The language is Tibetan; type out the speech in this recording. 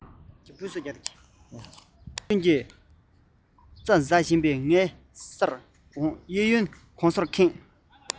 བློ རྩེ གཅིག སྒྲིམ གྱིས རྩྭ ཟ བཞིན ངའི སར འོང གཡས གཡོན གང སར ཁེངས